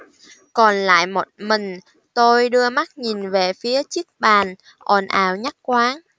còn lại một mình tôi đưa mắt nhìn về phía chiếc bàn ồn ào nhất quán